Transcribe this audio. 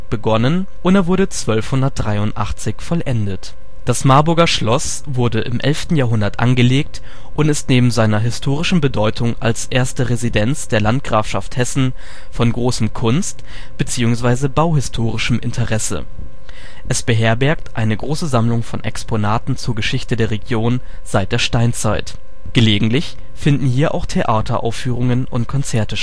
begonnen und er wurde 1283 vollendet. Das Marburger Schloss wurde im 11. Jahrhundert angelegt und ist neben seiner historischen Bedeutung als erste Residenz der Landgrafschaft Hessen von großem kunst - beziehungsweise bauhistorischem Interesse. Es beherrbergt eine große Sammlung von Exponaten zur Geschichte der Region seit der Steinzeit. Gelegentlich finden hier auch Theateraufführungen und Konzerte